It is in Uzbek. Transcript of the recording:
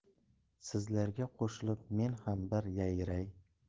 sizlarga qo'shilib men ham bir yayray